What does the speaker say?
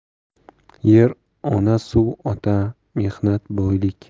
yer ona suv ota mehnat boylik